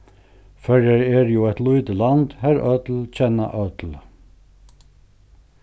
føroyar eru jú eitt lítið land har øll kenna øll